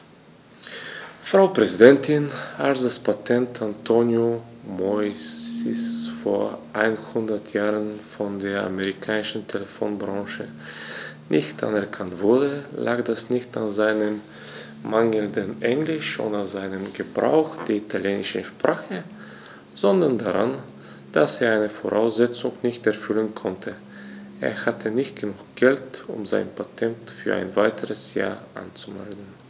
Frau Präsidentin, als das Patent Antonio Meuccis vor einhundert Jahren von der amerikanischen Telefonbranche nicht anerkannt wurde, lag das nicht an seinem mangelnden Englisch oder seinem Gebrauch der italienischen Sprache, sondern daran, dass er eine Voraussetzung nicht erfüllen konnte: Er hatte nicht genug Geld, um sein Patent für ein weiteres Jahr anzumelden.